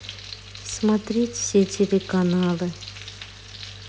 смотреть все телеканалы